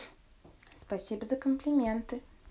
спасибо за комплименты